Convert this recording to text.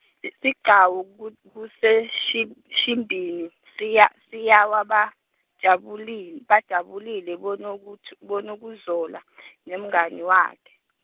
e- Sigcawu, ku- kuse- shib- shibhini, ziya- ziyawa bajabuli- bajabulile boNokuthu- boNokuzola , nemngani wakhe.